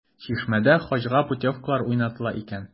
“чишмә”дә хаҗга путевкалар уйнатыла икән.